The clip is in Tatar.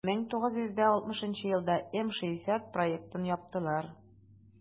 1960 елда м-60 проектын яптылар.